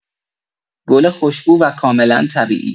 گل خوشبو و کاملا طبیعی